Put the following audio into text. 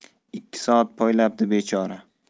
ikki soat poylabdi bechora